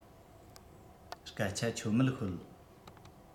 སྐད ཆ ཆོ མེད ཤོད